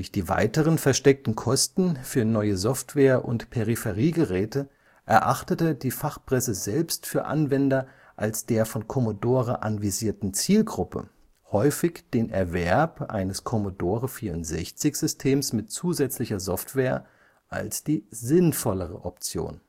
die weiteren versteckten Kosten für neue Software und Peripheriegeräte erachtete die Fachpresse selbst für Anwender als der von Commodore anvisierten Zielgruppe häufig den Erwerb eines Commodore-64-Systems mit zusätzlicher Software als die sinnvollere Option